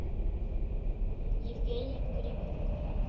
евгений кривенко